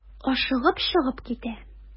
Ашыгып чыгып китә.